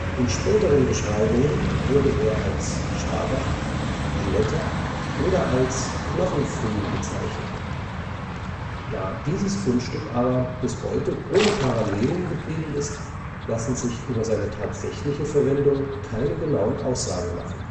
In späteren Beschreibungen wurde er als „ Schaber “,„ Glätter “oder als „ Knochenpfriem “bezeichnet. Da dieses Fundstück aber bis heute ohne Parallelen geblieben ist, lassen sich über seine tatsächliche Verwendung keine genauen Aussagen machen